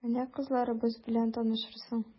Менә кызларыбыз белән танышырсың...